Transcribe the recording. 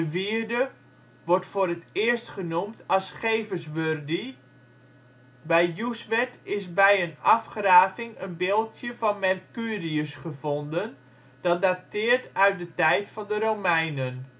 wierde wordt voor het eerst genoemd als Geveswurdi Bij Joeswerd is bij een opgraving een beeldje van Mercurius gevonden dat dateert uit de tijd van de Romeinen